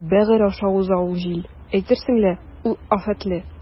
Бәгырь аша уза ул җил, әйтерсең лә ул афәтле.